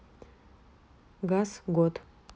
газ год